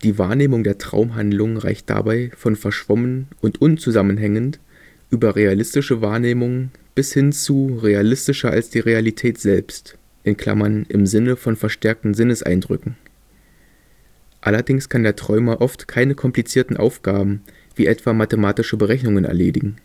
Wahrnehmung der Traumhandlung reicht dabei von verschwommen und unzusammenhängend, über realistische Wahrnehmung bis hin zu realistischer als die Realität selbst (im Sinne von verstärkten Sinneseindrücken). Allerdings kann der Träumer oft keine komplizierten Aufgaben wie etwa mathematische Berechnungen erledigen